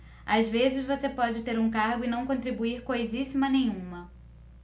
às vezes você pode ter um cargo e não contribuir coisíssima nenhuma